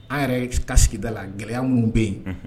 An yɛrɛ ta sigida la gɛlɛya minnu bɛ yen